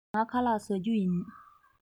ངས ཁ ལག བཟས མེད